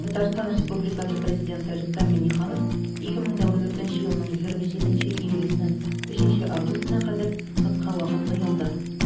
Татарстан Республикасы Президенты Рөстәм Миңнеханов 2014 елның 27 июленнән 3 августына кадәр кыска вакытлы ялда.